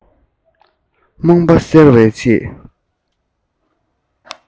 རྨོངས པ སེལ བའི ཆེད